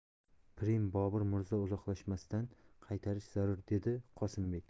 pirim bobur mirzo uzoqlashmasdan qaytarish zarur dedi qosimbek